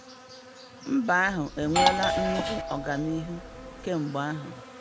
Mba ahụ e nweela nnukwu ọganihu kemgbe ahụ.